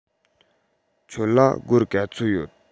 ཁྱེད ལ སྒོར ག ཚོད ཡོད